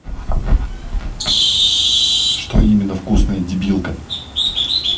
что именно вкусное дебилка